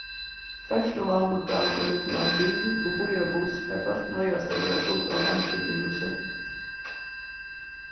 ferðsluvanlukka ímillum ein bil og býarbuss har fólk noyðast at verða flutt á landssjúkrahúsið